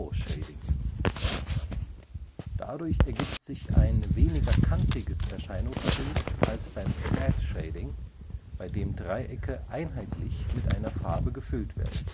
Shading). Dadurch ergibt sich ein weniger kantiges Erscheinungsbild als beim Flat Shading, bei dem Dreiecke einheitlich mit einer Farbe gefüllt werden